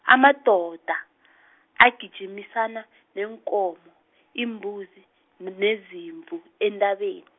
amadoda, agijimisana, neenkomo, iimbuzi, ne- nezimvu, eentabeni.